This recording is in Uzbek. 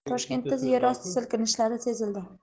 toshkentda yerosti silkinishlari sezildi